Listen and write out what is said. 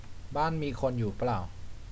บ้านมีคนอยู่เปล่า